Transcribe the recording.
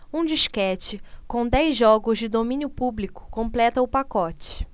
um disquete com dez jogos de domínio público completa o pacote